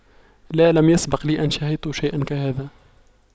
لا لم يسبق لي أن شاهدت شيء كهذا